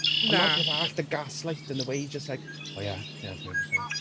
Na... A 'na'r peth arall, the gaslighting, the way he's just like, "Oh yeah, yeah, I've made mistakes."*